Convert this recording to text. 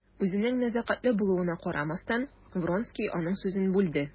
Үзенең нәзакәтле булуына карамастан, Вронский аның сүзен бүлде.